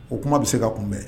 O kuma bɛ se ka kunbɛn